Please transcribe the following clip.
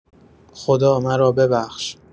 خدا مرا ببخش!